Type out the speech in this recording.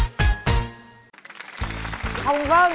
hồng vân